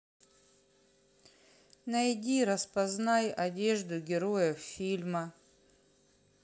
найди распознай одежду героев фильма